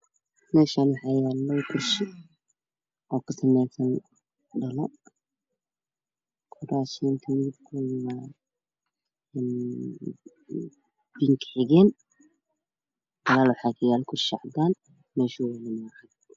Meeshaan waxaa yaalo kurshi ka samaysan dhalo. Kuraasta midibkiisa waa gaduud xigeen. gadaal waxaa ka yaalo kursi cadaan.